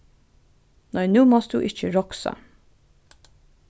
nei nú mást tú ikki roksa